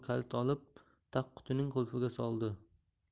kalit olib tagqutining qulfiga soldi